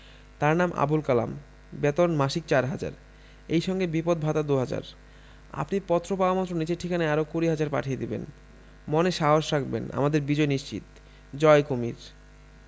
তার নাম আবুল কালাম বেতন মাসিক চার হাজার এই সঙ্গে বিপদ ভাতা দু'হাজার আপনি পত্র পাওয়ামাত্র নিচের ঠিকানায় আরো কুড়ি হাজার পাঠিয়ে দেবেন | মনে সাহস রাখবেন আমাদের বিজয় নিশ্চিত জয় কুমীর